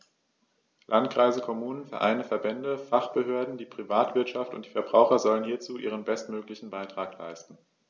Landkreise, Kommunen, Vereine, Verbände, Fachbehörden, die Privatwirtschaft und die Verbraucher sollen hierzu ihren bestmöglichen Beitrag leisten.